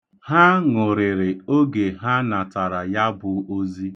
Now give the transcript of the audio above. Ha ṅụrịrị oge ha natara ya bụ ozi.